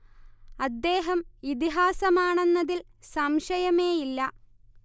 അദ്ദേഹം ഇതിഹാസമാണെന്നതിൽ സംശയമേയില്ല